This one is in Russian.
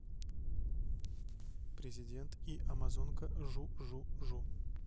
президент и амазонка жу жу жу